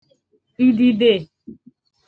ididē